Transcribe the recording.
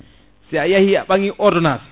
si a yeehi a ɓangi ordonnance